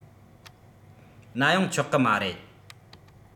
ན ཡོང ཆོག གི མ རེད